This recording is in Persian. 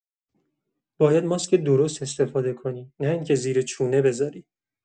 باید ماسک درست استفاده کنی، نه اینکه زیر چونه بذاری.